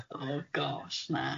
O gosh na.